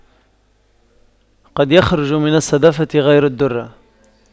قد يخرج من الصدفة غير الدُّرَّة